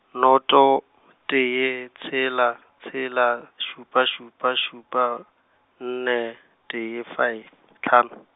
noto , tee, tshela, tshela, šupa šupa šupa, nne, tee fi-, hlano.